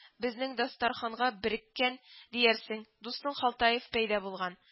Безнең дастарханга береккән диярсең, дустың халтаев пәйда булган